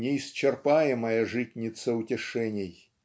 неисчерпаемая житница утешений.